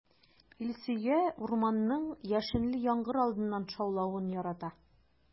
Илсөя урманның яшенле яңгыр алдыннан шаулавын ярата.